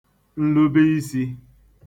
nlubiisī